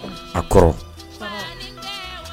A kɔrɔ fa tɛ